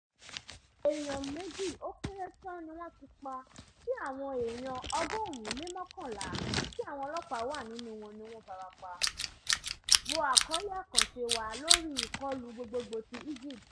Èèyàn méjì ó kéré tàn ní wọ́n ti pa tí àwọn èèyàn 111 - tí àwọn ọlọ́pàá wà nínú wọn - ní wọ́n farapa (Wo àkọọ́lẹ̀ àkànṣe wa lórí Ìkọlù Gbogboogbò ti Egypt).